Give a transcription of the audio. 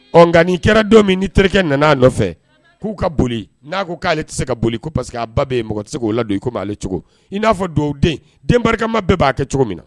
Ɔ nka nin kɛra don min ni terikɛ nan'a nɔfɛ k'u ka boli n'a ko k'ale tise ka boli ko parce que a ba be ye mɔgɔ tise k'o ladon comme ale cogo in'a fɔ duwawuden den barikama bɛɛ b'a kɛ cogomin na